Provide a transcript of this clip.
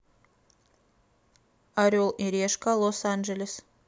орел и решка лос анджелес